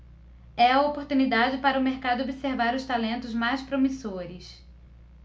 é a oportunidade para o mercado observar os talentos mais promissores